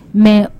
Mɛ